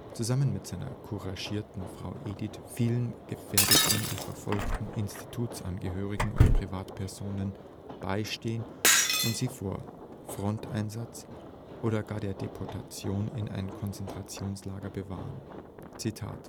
zusammen mit seiner couragierten Frau Edith vielen gefährdeten oder verfolgten Institutsangehörigen und Privatpersonen beistehen und sie vor Fronteinsatz oder gar der Deportation in ein Konzentrationslager bewahren. „ In